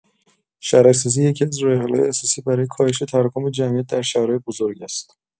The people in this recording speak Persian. شهرک‌سازی یکی‌از راه‌حل‌های اساسی برای کاهش تراکم جمعیت در شهرهای بزرگ است.